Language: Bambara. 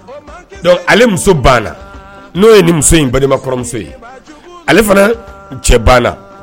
Ale muso banna no ye ni muso in balimakɔrɔmuso ale fana cɛ banna